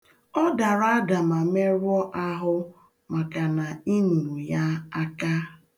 Ọ dara ada ma merụọ ahụ maka na i nuru ya aka.